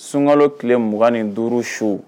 Sunkalo tileugan ni duuru su